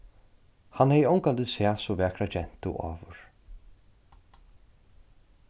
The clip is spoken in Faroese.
hann hevði ongantíð sæð so vakra gentu áður